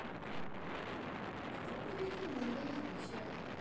кто победил на евровидении вчера